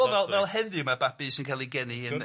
Wel fel fel heddiw ma' babi sy'n ca'l ei geni'n... Wrth gwrs...